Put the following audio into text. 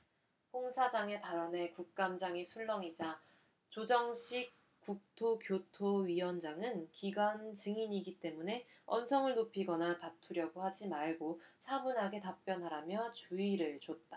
홍 사장의 발언에 국감장이 술렁이자 조정식 국토교토위원장은 기관 증인이기 때문에 언성을 높이거나 다투려고 하지 말고 차분하게 답변하라며 주의를 줬다